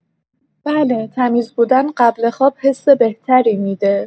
بله، تمیز بودن قبل خواب حس بهتری می‌ده.